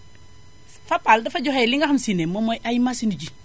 Fapal dafa joxe li nga xam si ne moom mooy ay machine ji